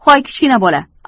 hoy kichkina bola